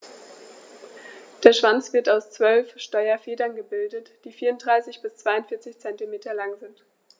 Der Schwanz wird aus 12 Steuerfedern gebildet, die 34 bis 42 cm lang sind.